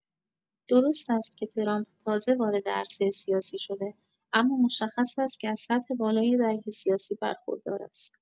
درست است که ترامپ تازه‌وارد عرصه سیاسی شده، اما مشخص است که از سطح بالای درک سیاسی برخوردار است.